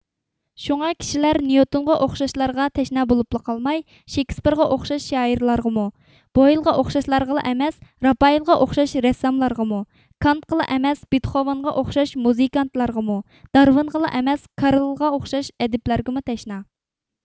شۇڭا كىشىلەر نيۇتونغا ئوخشاشلارغا تەشنا بولۇپلا قالماي شېكىسپېرغا ئوخشاش شائىرلارغىمۇ بويىلغا ئوخشاشلارغىلا ئەمەس راپائېلغا ئوخشاش رەسساملارغىمۇ كانتقىلا ئەمەس بېتخوۋېنغا ئوخشاش مۇزىكانتلارغىمۇ دارۋېنغىلا ئەمەس كارلىلىغا ئوخشاش ئەدىبلەرگىمۇ تەشنا